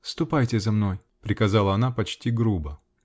-- Ступайте за мной, -- приказала она почти грубо.